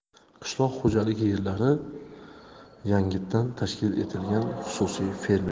qishloq xo'jaligi yerlari yangitdan tashkil etilgan xususiy fermer